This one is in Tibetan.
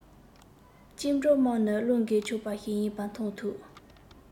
བཅིངས འགྲོལ དམག ནི བློས འགེལ ཆོག པ ཞིག ཡིན པ མཐོང ཐུབ